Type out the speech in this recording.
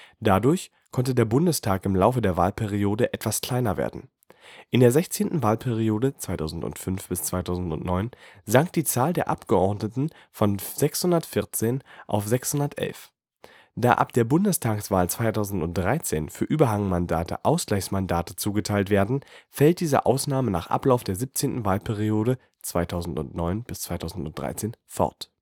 Dadurch konnte der Bundestag im Laufe der Wahlperiode etwas kleiner werden. In der 16. Wahlperiode (2005 – 2009) sank die Zahl der Abgeordneten von 614 auf 611. Da ab der Bundestagswahl 2013 für Überhangmandate Ausgleichsmandate zugeteilt werden, fällt diese Ausnahme nach Ablauf der 17. Wahlperiode (2009-2013) fort